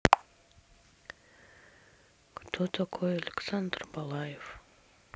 кто такой александр балаев